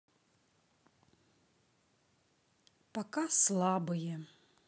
пока слабые